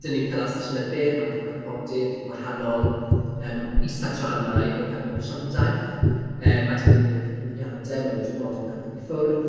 Dan ni'n cynnal sesiynnau byr mewn cyfarfodydd i wahanol yym is-adrannau o fewn yr asiantaeth, yym a dan ni'n gwneud cyflwyniadau mewn diwrnodau cwrdd i ffwrdd.